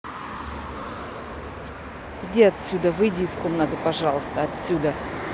иди отсюда выйди из комнаты пожалуйста отсюда